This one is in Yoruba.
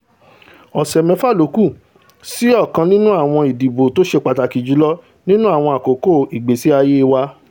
Ọ̀sẹ mẹ́fa lókù sí ọ̀kan nínú àwọn ìdìbò tóṣe pàtàkì jùlọ nínú àwọn àkóko ìgbésí-ayé wa.